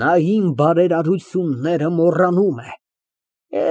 Նա իմ բարերարությունները մոռանում է։